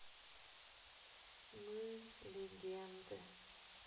мы легенды